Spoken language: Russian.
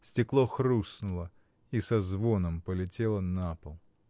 Стекло хрустнуло и со звоном полетело на пол.